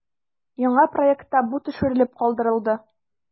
Яңа проектта бу төшереп калдырылды.